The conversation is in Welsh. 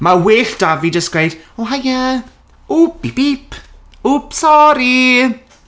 Mae well 'da fi jyst gweud, "O haia! O, bîp bîp! Wps sori!"